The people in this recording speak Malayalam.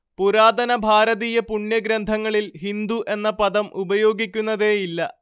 പുരാതന ഭാരതീയ പുണ്യഗ്രന്ഥങ്ങളിൽ ഹിന്ദു എന്ന പദം ഉപയോഗിക്കുന്നതേയില്ല